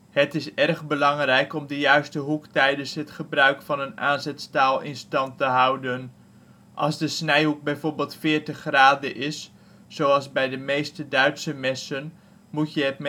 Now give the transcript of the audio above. Het is erg belangrijk om de juiste hoek tijdens het gebruik van een aanzetstaal in stand te houden. Als de snijhoek bijvoorbeeld 40 graden is, zoals bij de meeste Duitse messen, moet je het